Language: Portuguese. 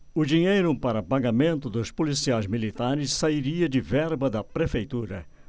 o dinheiro para pagamento dos policiais militares sairia de verba da prefeitura